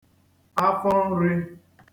afọ nrī